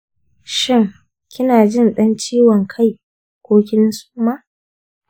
shin, kina jin dan ciwon kai ko kin suma?